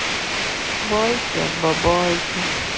байки от бабайки